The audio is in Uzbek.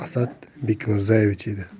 asad bekmirzaevich edi